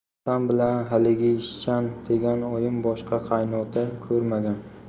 otam bilan haligi ishchan degan oyim boshqa qaynota ko'rmagan